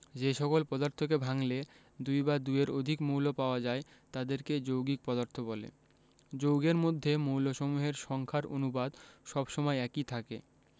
যে সকল পদার্থকে ভাঙলে দুই বা দুইয়ের অধিক মৌল পাওয়া যায় তাদেরকে যৌগিক পদার্থ বলে যৌগের মধ্যে মৌলসমূহের সংখ্যার অনুপাত সব সময় একই থাকে